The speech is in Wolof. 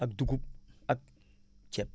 ak dugub ak ceeb